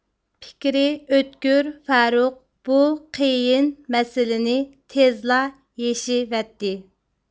پىكرى ئۆتكۈر فەرۇق بۇ قىيىن مەسىلىنى تېزلا يېشىۋەتتى